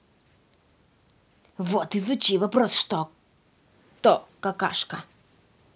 вот изучи вопрос что то какашка